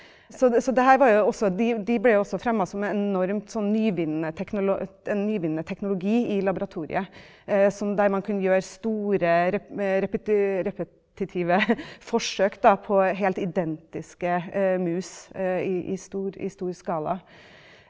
så det så det her var jo også de de blei jo også fremma som enormt sånn nyvinnende en nyvinnende teknologi i laboratoriet som der man kunne gjøre store repetitive forsøk da på helt identiske mus i i stor i stor skala.